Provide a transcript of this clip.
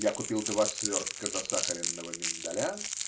Я купил два свертка засахаренного миндаля